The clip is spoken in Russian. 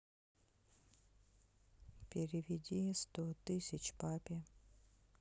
переведи сто тысяч папе